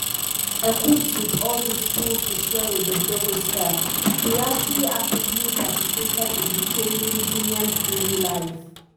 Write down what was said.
Equipped with all these tools to share with the blogosphere, Kouyaté actively participated in detailing Guinean's daily life.